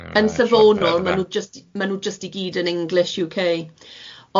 Yn safonol ma nw jyst ma nw jyst i gyd yn English UK.